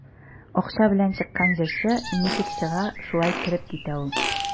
Акча белән чыккан җырчы ничек чыга, шулай кереп китә ул.